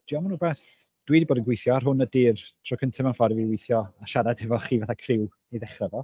'Di o'm yn rywbeth dwi 'di bod yn gweithio ar hwn ydy'r tro cyntaf mewn ffordd ffordd i fi weithio a siarad efo chi fatha criw i ddechrau fo.